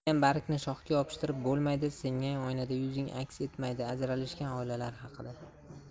uzilgan bargni shoxga yopishtirib bo'lmaydi singan oynada yuzing aks etmaydi ajralishgan oilalar haqida